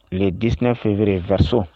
Tile dis feereɛrɛ vriso